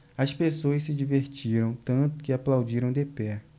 as pessoas se divertiram tanto que aplaudiram de pé